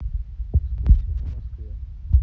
экскурсии по москве